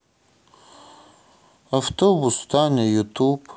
автобус таня ютуб